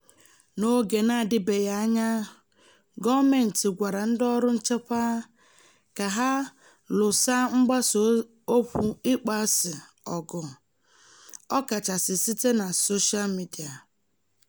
N'oge na-adịbeghị anya, gọọmentị gwara ndị ọrụ nchekwa ka ha "lụsa mgbasa okwu ịkpọasị ọgụ, ọkachasị site na soshaa midịa".